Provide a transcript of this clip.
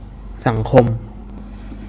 สังคม